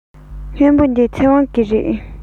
སྔོན པོ འདི ཚེ དབང གི རེད